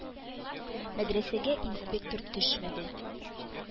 Мәдрәсәгә инспектор төшмәде.